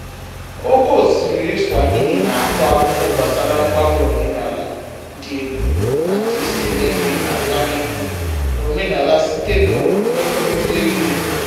Oke osimmiri Swahili na-akọ akụkọ gbasara mgbanwe omenaala dị egwu na DCMA na-aga n'ihu na ọdịnaala a site na mmekorita egwu ya.